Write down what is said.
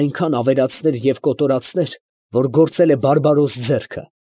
Այնքան ավերածներ և կոտորածներ, որ գործել է բարբարոս ձեռքը։